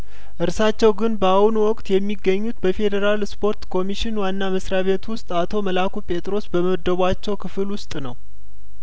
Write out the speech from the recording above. እርሳቸው ግን በአሁን ወቅት የሚገኙት በፌዴራል ስፖርት ኮሚሽን ዋና መስሪያቤት ውስጥ አቶ መላኩ ጴጥሮስ በመደ ቧቸው ክፍል ውስጥ ነው